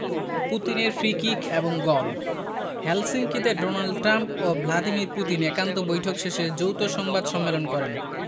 পুতিনের free kick এবং goal হেলসিঙ্কিতে ডোনাল্ড ট্রাম্প ও ভ্লাদিমির পুতিন একান্ত বৈঠক শেষে যৌথ সংবাদ সম্মেলন করেন